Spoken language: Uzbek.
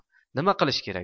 nima qilish kerak